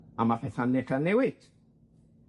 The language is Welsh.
A ma' petha'n ne- ca'l newid.